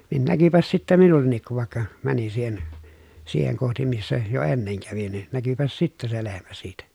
niin näkyipäs sitten minullekin kun vaikka menin siihen siihen kohti missä jo ennen kävin niin näkyipäs sitten se lehmä siitä